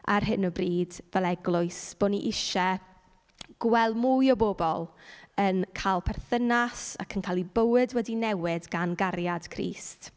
ar hyn o bryd, fel Eglwys, bo' ni isie gweld mwy o bobl yn cael perthynas ac yn cael eu bywyd wedi newid gan gariad Crist.